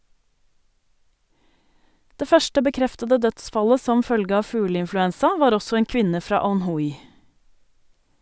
Det første bekreftede dødsfallet som følge av fugleinfluensa var også en kvinne fra Anhui.